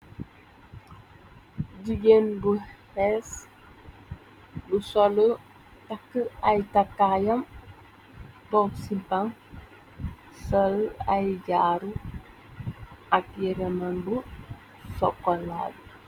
Jigéen bu xees, bu solu takk ay takkaayam, tog ci bam sol ay jaaru ak yeremen bu sokolaabi.